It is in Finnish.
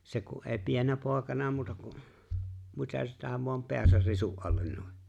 se kun ei pienenä poikana muuta kuin mitä sitä vain päänsä risun alle noin